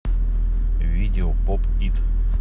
видео поп ит